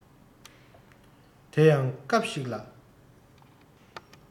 དེ ཡང སྐབས ཤིག ལ